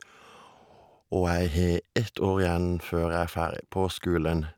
Og jeg har ett år igjen før jeg er ferdig på skolen.